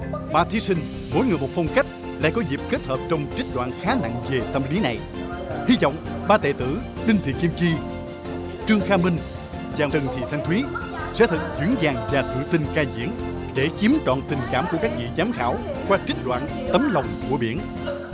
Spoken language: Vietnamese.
ba thí sinh mỗi người một phong cách lại có dịp kết hợp trong trích đoạn khá nặng về tâm lý này hi vọng ba đệ tử đinh thị kim chi trương kha minh và trần thị thanh thúy sẽ thật vững vàng và tự tin vai diễn để chiếm trọn tình cảm của các vị giám khảo qua trích đoạn tấm lòng của biển